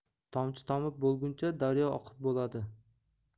tomchi tomib bo'lguncha daryo oqib bo'ladi